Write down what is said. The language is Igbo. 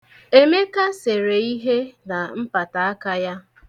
Emeka sere ihe na mpataaka ya.